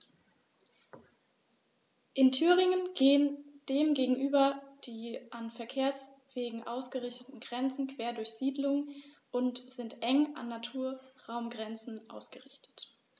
In Thüringen gehen dem gegenüber die an Verkehrswegen ausgerichteten Grenzen quer durch Siedlungen und sind eng an Naturraumgrenzen ausgerichtet.